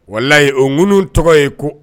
Wala layi o ŋunu tɔgɔ ye ko